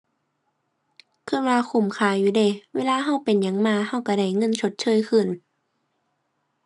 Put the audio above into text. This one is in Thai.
คิดว่าคุ้มค่าอยู่เดะ เวลาคิดเป็นหยังมา คิดคิดได้เงินชดเชยคืน